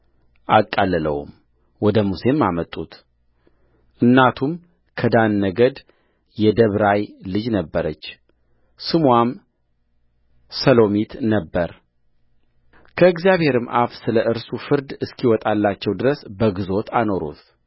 አቃለለውም ወደ ሙሴም አመጡት እናቱም ከዳን ነገድ የደብራይ ልጅ ነበረች ስምዋም ሰሎሚት ነበረከእግዚአብሔርም አፍ ስለ እርሱ ፍርድ እስኪወጣላቸው ድረስ በግዞት አኖሩት